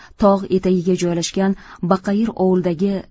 tog' etagiga joylashgan baqayir ovulidagi